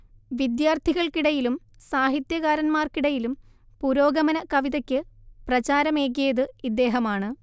വിദ്യാർഥികൾക്കിടയിലും സാഹിത്യകാരന്മാർക്കിടയിലും പുരോഗമന കവിതയ്ക്ക് പ്രചാരമേകിയത് ഇദ്ദേഹമാണ്